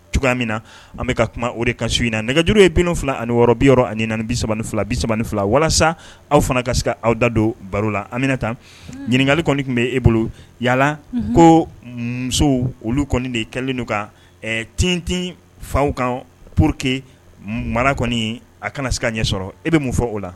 Cogoya min na an bɛka ka kuma o de ka so in na nɛgɛjuru ye pini fila ani yɔrɔ bi yɔrɔ ani bisa ni fila bisa ni fila walasa aw fana ka se aw da don baro la an bɛna tan ɲininkakali kɔni tun bɛ e bolo yalala ko musow olu kɔni de ye kɛeli ka tt faw kan pour queke mara kɔni a kana s a ɲɛ sɔrɔ e bɛ mun fɔ o la